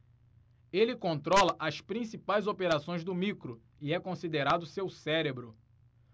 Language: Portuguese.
ele controla as principais operações do micro e é considerado seu cérebro